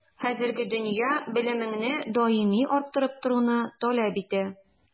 Хәзерге дөнья белемеңне даими арттырып торуны таләп итә.